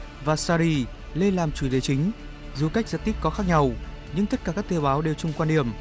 và sa ri lên làm chủ đề chính dù cách giật tít có khác nhau nhưng tất cả các tờ báo đều chung quan điểm